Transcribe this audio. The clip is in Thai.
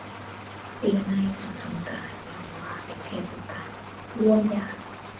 ปีใหม่กับสงกรานต์ ญ้อนว่าเป็นเทศกาลรวมญาติ